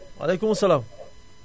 waaleykum salaam